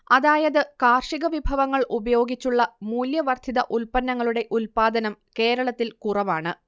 അതായത് കാർഷികവിഭവങ്ങൾ ഉപയോഗിച്ചുള്ള മൂല്യവർദ്ധിത ഉൽപ്പന്നങ്ങളുടെഉല്പാദനം കേരളത്തിൽ കുറവാണ്